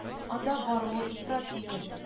Анда баруы ифрат җиңел